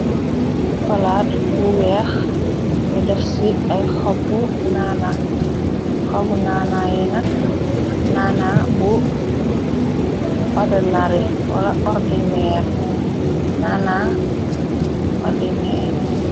Palate bu weex ni daf ci ay nxobu nana yenak nana bu odanare wala nana ordinaere.